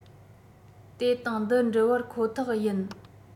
དེ དང འདི འདྲི བར ཁོ ཐག ཡིན